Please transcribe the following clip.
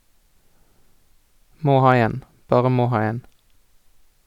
Må ha en, bare må ha en.